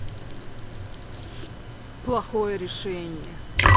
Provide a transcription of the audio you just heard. плохое решение